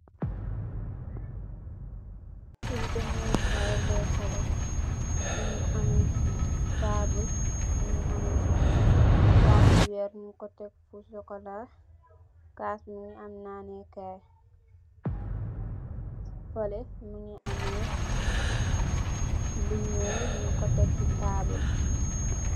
Fi demeh kai leka la mogi ameh taabul mogi ameh cass yu weer nyung ko teck fo chocola cass bi mogi am nanekai feleh mogi ameh lu nuul nung ko teg si taabul.